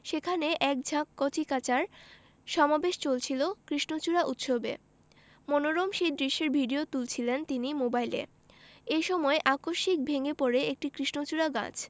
সেখানে এক ঝাঁক কচিকাঁচার সমাবেশ চলছিল কৃষ্ণচূড়া উৎসবে মনোরম সেই দৃশ্যের ভিডিও তুলছিলেন তিনি মোবাইলে এ সময় আকস্মিক ভেঙ্গে পড়ে একটি কৃষ্ণচূড়া গাছ